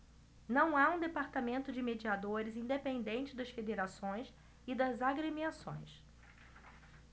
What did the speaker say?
não há um departamento de mediadores independente das federações e das agremiações